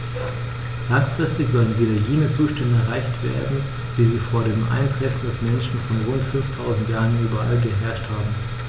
Langfristig sollen wieder jene Zustände erreicht werden, wie sie vor dem Eintreffen des Menschen vor rund 5000 Jahren überall geherrscht haben.